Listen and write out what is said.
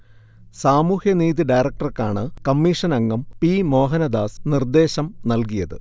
സാമൂഹ്യനീതി ഡയറക്ടർക്കാണ് കമ്മിഷൻ അംഗം പി. മോഹനദാസ് നിർദേശം നൽകിയത്